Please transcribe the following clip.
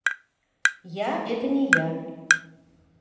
я не это не я